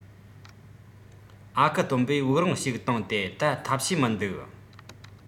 ཨ ཁུ སྟོན པས དབུགས རིང ཞིག བཏང སྟེ ད ཐབས ཤེས མིན འདུག